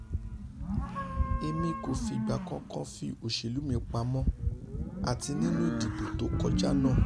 Èmi kòfi ìgbà kankan fi òṣèlú mi pamọ́, àti nínú ìdìbò tókọjá náà.